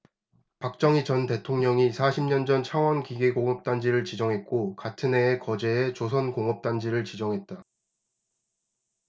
박정희 전 대통령이 사십 년전 창원기계공업단지를 지정했고 같은해에 거제에 조선공업단지를 지정했다